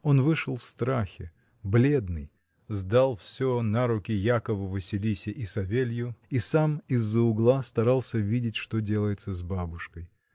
Он вышел в страхе, бледный, сдал всё на руки Якову, Василисе и Савелью и сам из-за угла старался видеть, что делается с бабушкой.